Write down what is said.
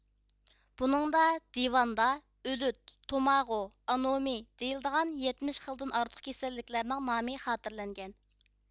بۇنىڭدا دىۋان دا ئۆلۈت توماغۇ ئانومى دېيىلىدىغان يەتمىش خىلدىن ئارتۇق كېسەللىكلەرنىڭ نامى خاتىرىلەنگەن